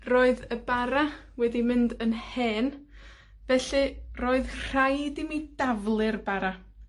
roedd y bara wedi mynd yn hen, felly roedd rhaid i mi daflu'r bara.